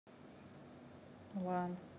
one